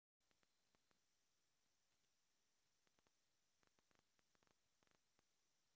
зурбаган караоке на ютуб